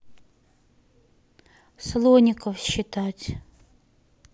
слоников считать